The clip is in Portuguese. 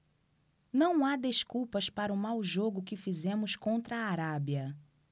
não há desculpas para o mau jogo que fizemos contra a arábia